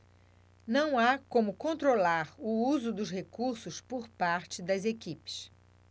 não há como controlar o uso dos recursos por parte das equipes